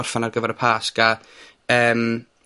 orffen ar gyfer y Pasg a, yym